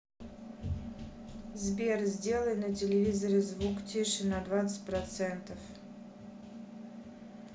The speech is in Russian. сбер сделай на телевизоре звук тише на двадцать процентов